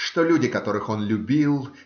что люди, которых он любил,